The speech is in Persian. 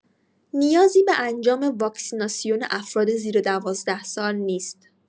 نیازی به انجام واکسیناسیون افراد زیر ۱۲ سال نیست.